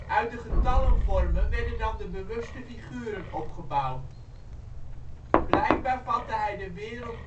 Uit de getallenvormen werden dan de bewuste figuren opgebouwd. Blijkbaar vatte hij de wereld